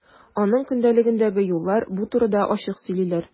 Аның көндәлегендәге юллар бу турыда ачык сөйлиләр.